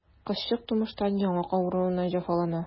Кызчык тумыштан яңак авыруыннан җәфалана.